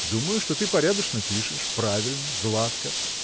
– Думаю, что ты порядочно пишешь, правильно, гладко.